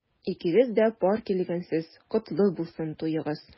Икегез дә пар килгәнсез— котлы булсын туегыз!